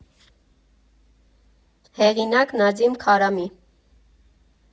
Հեղինակ՝ Նադիմ Քարամի։